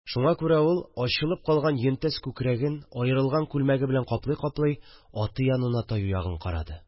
Шуңа күрә ул, ачылып калган йөнтәс күкрәген аерылган күлмәге белән каплый-каплый аты янына таю ягын карады